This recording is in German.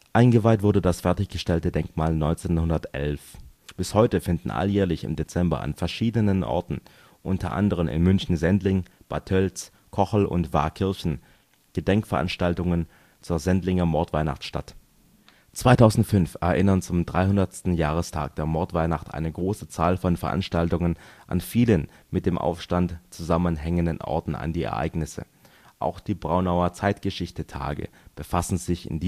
Eingeweiht wurde das fertig gestellte Denkmal 1911. Bis heute finden alljährlich im Dezember an verschiedenen Orten (u. a. in München-Sendling, Bad Tölz, Kochel und Waakirchen) Gedenkveranstaltungen zur Sendlinger Mordweihnacht statt. 2005 erinnern zum dreihundertsten Jahrestag der Mordweihnacht eine große Zahl von Veranstaltungen an vielen mit dem Aufstand zusammenhängenden Orten an die Ereignisse, auch die Braunauer Zeitgeschichte-Tage befassen sich in